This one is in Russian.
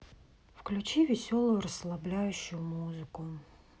включи веселую расслабляющую музыку